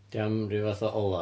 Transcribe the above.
dio o am ryw fath o olau?